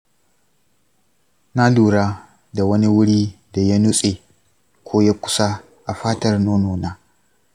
na lura da wani wuri da ya nutse ko ya kusa a fatar nonona.